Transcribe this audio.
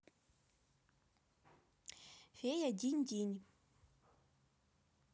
фея динь динь